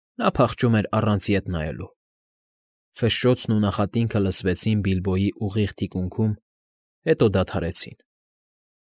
Նա փախչում էր առանց ետ նայելու։ Ֆշշոցն ու նախատինքը լսվեցին Բիլբոյի ուղիղ թիկունքում, հետո դադարեցին։